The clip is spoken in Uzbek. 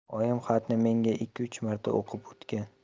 oyim xatni menga ikki uch marta o'qitib olgan